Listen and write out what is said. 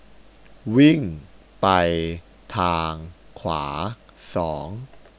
วิ่งไปทางขวาสอง